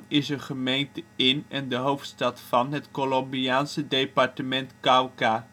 is een gemeente in en de hoofdstad van het Colombiaanse departement Cauca